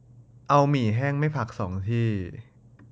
เอาหมี่แห้งไม่ผักสองที่